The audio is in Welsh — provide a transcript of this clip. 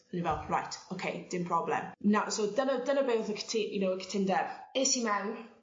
o'n i fel reit oce dim problem na so dyna dyna be' o'dd y cytu- you know y cytundeb es i mewn